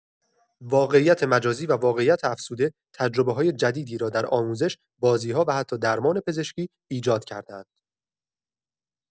واقعیت مجازی و واقعیت افزوده، تجربه‌های جدیدی را در آموزش، بازی‌ها و حتی درمان پزشکی ایجاد کرده‌اند.